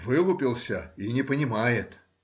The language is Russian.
Вылупился и не понимает